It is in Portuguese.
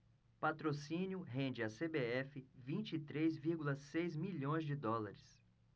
patrocínio rende à cbf vinte e três vírgula seis milhões de dólares